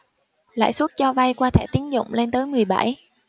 lãi suất cho vay qua thẻ tín dụng lên tới mười bảy